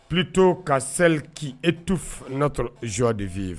Plutôt qu'à celle qui étouffe notre joie